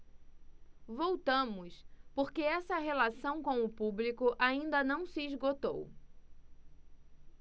voltamos porque essa relação com o público ainda não se esgotou